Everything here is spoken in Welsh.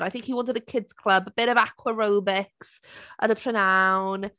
I think he wanted a kids club. A bit of aquarobics yn y prynhawn.